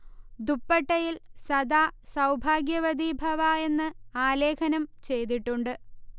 ദുപ്പട്ടയിൽ സദാ സൗഭാഗ്യവതി ഭവഃ എന്ന് ആലേഖനം ചെയ്തിട്ടുണ്ട്